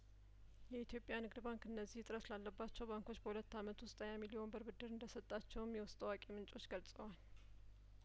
የኢትዮጵያ ንግድ ባንክ እነዚህ እጥረት ላለባቸው ባንኮች በሁለት አመት ውስጥ ሀያሚሊዮን ብር ብድር እንደሰጣቸውም የውስጥ አዋቂ ምንጮቹ ገልጸዋል